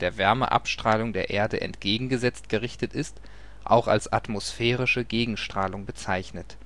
Wärmeabstrahlung der Erde entgegengesetzt gerichtet ist, auch als atmosphärische Gegenstrahlung bezeichnet